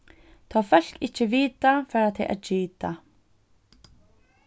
tá fólk ikki vita fara tey at gita